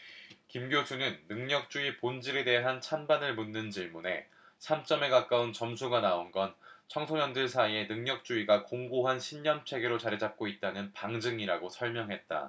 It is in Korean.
김 교수는 능력주의 본질에 대한 찬반을 묻는 질문에 삼 점에 가까운 점수가 나온 건 청소년들 사이에 능력주의가 공고한 신념체계로 자리잡고 있다는 방증이라고 설명했다